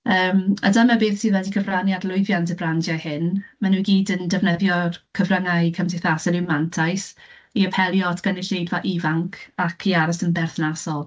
Yym, a dyma beth sydd wedi cyfrannu at lwyddiant y brandiau hyn. Maen nhw i gyd yn defnyddio'r cyfrangau cymdeithasol i'w mantais i apelio at gynulleidfa ifanc ac i aros yn berthnasol.